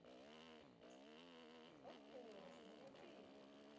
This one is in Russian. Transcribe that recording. okko снова ты